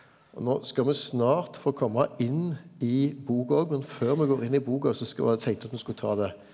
nå skal me snart få komma inn i boka òg men før me går inn i boka så skal eg berre tenkte eg at me skulle ta det.